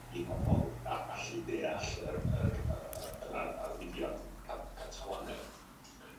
i bobol a- allu deall yr yr yr a- yr a- yr ar- arwyddion Cat- Catalaneg.